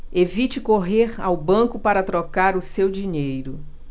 evite correr ao banco para trocar o seu dinheiro